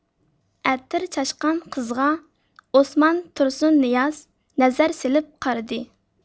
ئەتىر چاچقان قىزغا ئوسمان تۇرسۇننىياز نەزەر سېلىپ قارىدى